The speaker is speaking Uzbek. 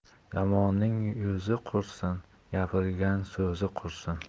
yomonning yuzi qursin gapirgan so'zi qursin